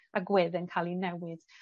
agwedde'n ca'l 'u newid.